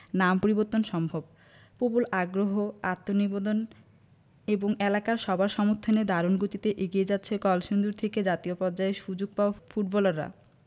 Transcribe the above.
নাম পরিবর্তন সম্ভব প্রবল আগ্রহ আত্মনিবেদন এবং এলাকার সবার সমর্থনে দারুণ গতিতে এগিয়ে যাচ্ছে কলসিন্দুর থেকে জাতীয় পর্যায়ে সুযোগ পাওয়া ফুটবলাররা